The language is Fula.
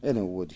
ene wodi